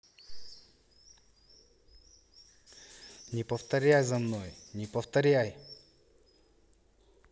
не повторяй за мной не повторяй